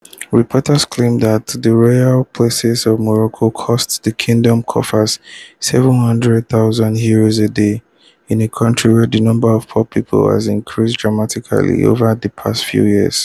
Reports claim that the royal palaces of Morocco cost the kingdom's coffers 700,000 Euros a day, in a country where the number of poor people has increased dramatically over the past few years.